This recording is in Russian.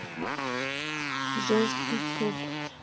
женский клуб